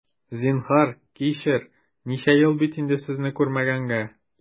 Зинһар, кичер, ничә ел бит инде сезне күрмәгәнгә!